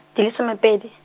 di le some pedi.